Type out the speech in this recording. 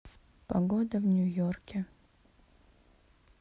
погода в нью йорке